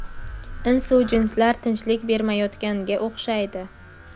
insu jinslar tinchlik bermayotganga o'xshaydi